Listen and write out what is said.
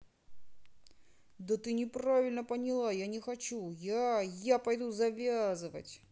да ты неправильно поняла я не хочу я я пойду завязывать